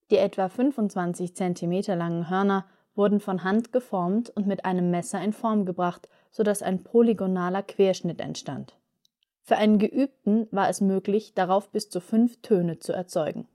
ca. 25 cm langen Hörner wurden von Hand geformt und mit einem Messer in Form gebracht, so dass ein polygonaler Querschnitt entstand. Für einen Geübten war es möglich, darauf bis zu fünf Töne zu erzeugen